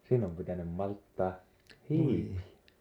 siinä on pitänyt malttaa hiipiä